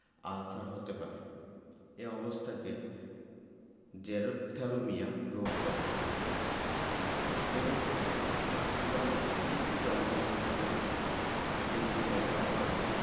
ulcer হতে পারে এ অবস্থাকে জেরপ্থ্যালমিয়া রোগ বলে এই রোগ হলে আক্রান্ত মানুষ পুরোপুরি অন্ধ হয়ে যেতে পারে ভিটামিন A এর অভাবে